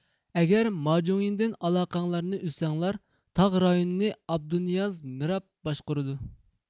ئەگەر ماجۇڭيىڭدىن ئالاقەڭلارنى ئۈزسەڭلار تاغ رايونىنى ئابدۇنىياز مىراب باشقۇرىدۇ